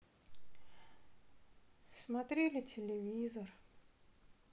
смотрели телевизор